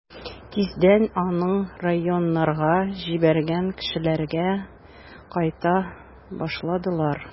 Тиздән аның районнарга җибәргән кешеләре кайта башладылар.